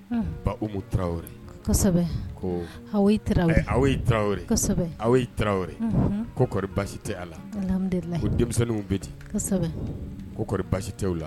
Hun Ba Umu Traore kosɛbɛ ko Hawoyi Traore ɛ Hawoyi Traore kosɛbɛ Hawoyi Traore unhun ko kɔri baasi te a la alhamdulilahi ko denmisɛnninw be di kosɛbɛ ko kori baasi te u la